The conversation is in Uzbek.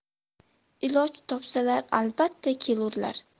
iloj topsalar albatta kelurlar